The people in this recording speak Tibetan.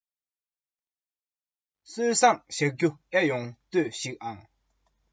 ཚང མས སྨོན རྒྱུ ཨེ ཡོང ལྟོས ཤིག ཨང